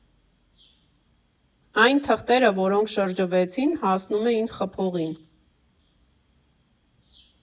Այն թղթերը, որոնք շրջվեցին՝ հասնում էին խփողին։